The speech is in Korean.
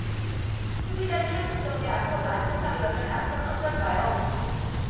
소비자들 한국 경제 앞으로도 안 좋다그러면 앞으로는 어떨까요